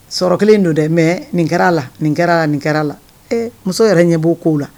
Sɔrɔ kelen in don dɛ mais nin kɛra la , nin kɛra la , nin kɛra la. Muso yɛrɛ ɲɛ bi ko la.